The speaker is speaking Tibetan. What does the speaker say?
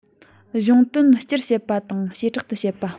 གཞུང དོན སྤྱིར བཤད པ དང བྱེ བྲག ཏུ བཤད པ